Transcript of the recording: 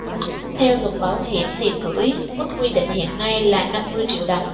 theo luật bảo hiểm tiền gửi mức quy định hiện nay là năm mươi triệu đồng